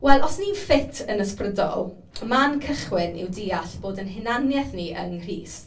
Wel os ni'n ffit yn ysbrydol y man cychwyn yw deall bod ein hunaniaeth ni yng Nghrist.